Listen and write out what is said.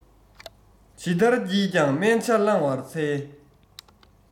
ཇི ལྟར བགྱིས ཀྱང དམན ཆ བླང བར འཚལ